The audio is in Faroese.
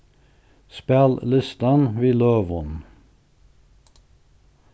spæl listan við løgum